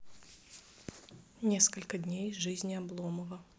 несколько дней из жизни обломова